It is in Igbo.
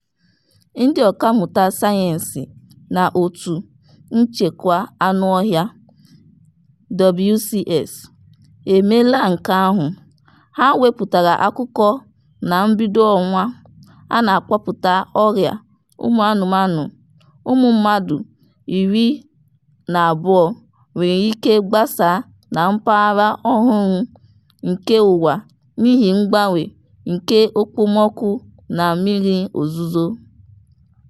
Ndị ọkàmmụta sayensị na Wildlife Conservation Society (WCS) emeela nke ahụ - ha wepụtara akụkọ na mbido ọnwa a na-akpọpụta ọrịa ụmụanụmanụ-ụmụ mmadụ 12 nwere ike gbasaa na mpaghara ọhụrụ nke ụwa n'ihi mgbanwe nke okpomọkụ na mmiri ozuzo.